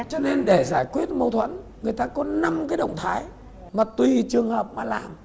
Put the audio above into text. cho nên để giải quyết mâu thuẫn người ta có năm cái động thái mà tùy trường hợp mà làm